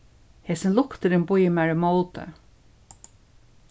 hesin lukturin býður mær ímóti